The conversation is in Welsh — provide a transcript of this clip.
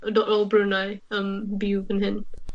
...yn do' o Brunei yn byw fan hyn.